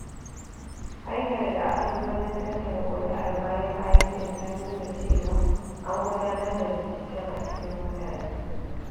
Hanyar da aka bi wajen tattara ƙuri'ar baya-bayan nan ta nuna cewa, an gudanar da binciken a cikin mutane.